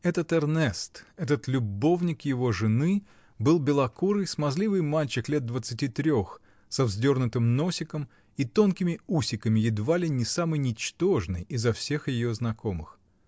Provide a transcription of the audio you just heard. Этот Эрнест, этот любовник его жены, был белокурый, смазливый мальчик лет двадцати трех, со вздернутым носиком и тонкими усиками, едва ли не самый ничтожный изо всех ее знакомых.